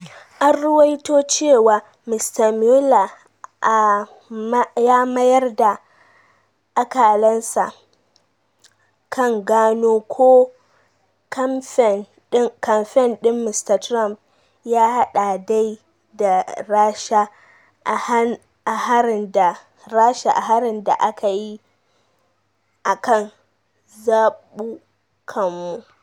An ruwaito cewa Mr. Mueller ya mayar da akalansa kan gano ko kamfen din Mr. Trump ya hada kai da Rasha a harin da aka yi a kan zabukanmu.